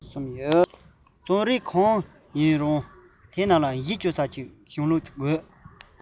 རྩོམ རིག གང ཞིག ཡིན ཡང དེའི གཞི བཅོལ ས རིག པའི གཞུང ལུགས ཤིག དགོས པ ནི